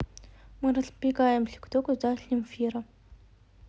мы разбегаемся кто куда земфира